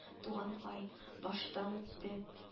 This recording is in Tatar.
Туганкай, баштан үтте